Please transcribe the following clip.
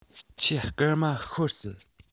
ཁྱེད སྐར མ ཤོར སྲིད